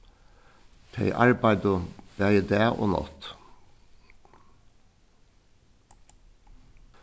tey arbeiddu bæði dag og nátt